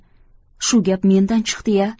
shu gap mendan chiqdi ya